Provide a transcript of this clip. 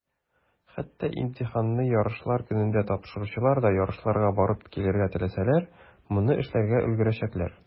Хәтта имтиханны ярышлар көнендә тапшыручылар да, ярышларга барып килергә теләсәләр, моны эшләргә өлгерәчәкләр.